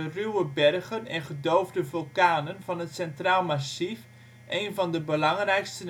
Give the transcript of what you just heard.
de ruwe bergen van het Centraal Massief, één van de belangrijkste